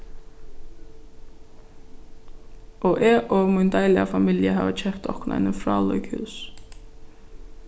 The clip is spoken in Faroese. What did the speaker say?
og eg og mín deiliga familja hava keypt okkum eini frálík hús